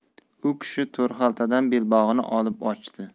u kishi to'rxaltadan belbog'ni olib ochdi